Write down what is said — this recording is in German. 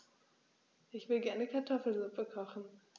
Ich will gerne Kartoffelsuppe kochen.